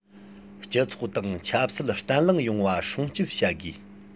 སྤྱི ཚོགས དང ཆབ སྲིད བརྟན ལྷིང ཡོང བ སྲུང སྐྱོང བྱ དགོས